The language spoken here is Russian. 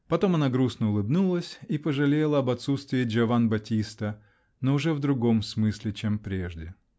потом она грустно улыбнулась и пожалела об отсутствии Джиован Баттиста, но уже в другом смысле, чем прежде.